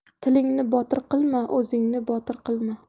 tilingni botir qilma o'zingni botil qilma